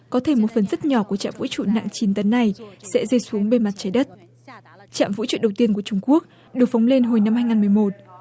có thể một phần rất nhỏ của trạm vũ trụ nặng chín tấn này sẽ rơi xuống bề mặt trái đất trạm vũ trụ đầu tiên của trung quốc được phóng lên hồi năm hai ngàn mười một